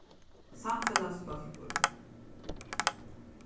samfelagsbólkur